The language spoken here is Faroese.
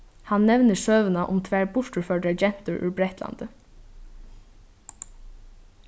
hann nevnir søguna um tvær burturførdar gentur úr bretlandi